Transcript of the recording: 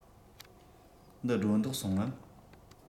འདི སྒྲོ འདོགས སོང ངམ